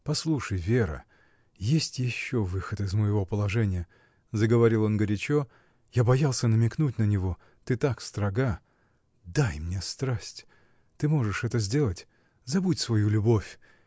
— Послушай, Вера, есть еще выход из моего положения, — заговорил он горячо, — я боялся намекнуть на него — ты так строга: дай мне страсть! ты можешь это сделать. Забудь свою любовь.